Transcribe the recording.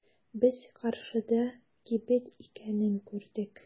Без каршыда кибет икәнен күрдек.